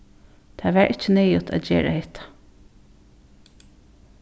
tað var ikki neyðugt at gera hetta